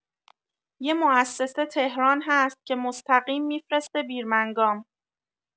یه موسسه تهران هست که مستقیم می‌فرسته بیرمنگام